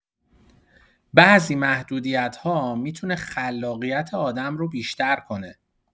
بعضی محدودیت‌ها می‌تونه خلاقیت آدم رو بیشتر کنه.